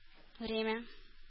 Время